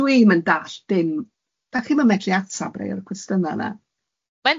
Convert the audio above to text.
dwi'm yn dalld dim da chi'm yn medru atab rei o'r cwestiyna 'na?